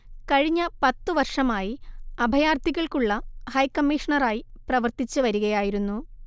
കഴിഞ്ഞ പത്തുവർഷമായി അഭയാർഥികൾക്കുളള ഹൈക്കമ്മീഷണറായി പ്രവർത്തിച്ച് വരികയായിരുന്നു